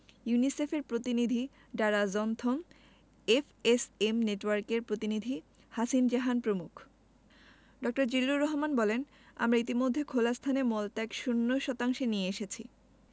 ইউনিসেফের প্রতিনিধি Dara Johnston FSM নেটওয়ার্কের প্রতিনিধি হাসিন জাহান প্রমুখ ড. জিল্লুর রহমান বলেন আমরা ইতিমধ্যে খোলা স্থানে মলত্যাগ শূন্য শতাংশে নিয়ে এসেছি